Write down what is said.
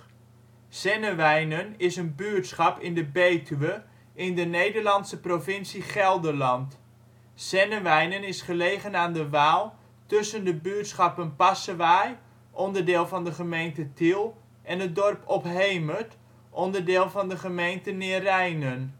Zennewijnen is een buurtschap in de Betuwe in de Nederlandse provincie Gelderland. Zennewijnen is gelegen aan de Waal, tussen de buurtschap Passewaaij (onderdeel van de gemeente Tiel) en het dorp Ophemert (onderdeel van de gemeente Neerijnen